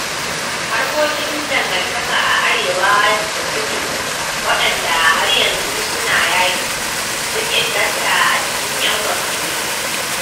Harkokin dangantaka a Arewa da Kudu - waɗanda har yanzu su na yaki - sun inganta a cikin 'yan watanni.